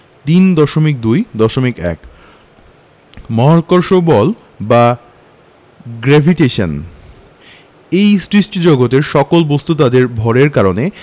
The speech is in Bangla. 3.2.1 মহাকর্ষ বল বা গ্রেভিটেশন এই সৃষ্টিজগতের সকল বস্তু তাদের ভরের কারণে